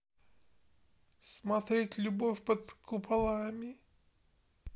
смотреть любовь под куполами